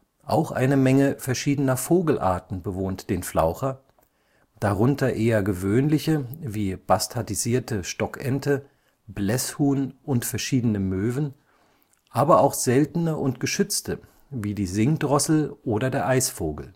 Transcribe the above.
Auch eine Menge verschiedener Vogelarten bewohnt den Flaucher, darunter eher gewöhnliche wie bastardisierte Stockente, Blässhuhn und verschiedene Möwen, aber auch seltene und geschützte wie die Singdrossel oder der Eisvogel